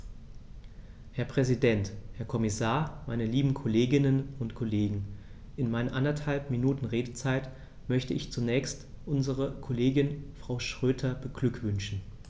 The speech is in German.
Herr Präsident, Herr Kommissar, meine lieben Kolleginnen und Kollegen, in meinen anderthalb Minuten Redezeit möchte ich zunächst unsere Kollegin Frau Schroedter beglückwünschen.